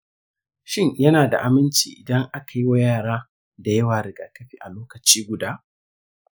shin yana da aminci idan aka yi wa yara da yawa rigakafi a lokaci guda?